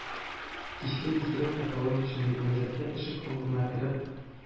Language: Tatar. Кичә исерек околодочный мәдрәсә ишек алдына кереп,